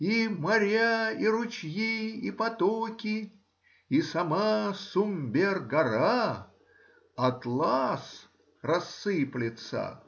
и моря, и ручьи, и потоки, и сама Сумбер-гора (Атлас) рассыпется